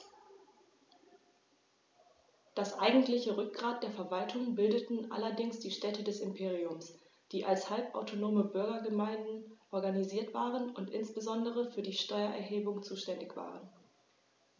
Das eigentliche Rückgrat der Verwaltung bildeten allerdings die Städte des Imperiums, die als halbautonome Bürgergemeinden organisiert waren und insbesondere für die Steuererhebung zuständig waren.